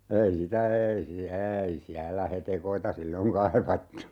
ei sitä ei siellä ei siellä hetekoita silloin kaivattu